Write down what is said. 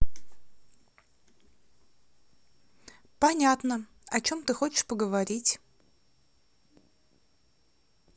понятно о чем ты хочешь поговорить